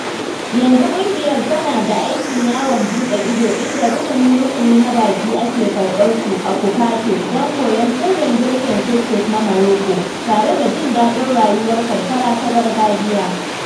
Yanzu ƙungiyar tana da aikin yawon buɗe ido inda rukuni-rukuni na baƙi ake karɓarsu a Khoukhate don koyon sirrin girkin couscous na Morocco, tare da jin daɗin rayuwar karkara ta gargajiya.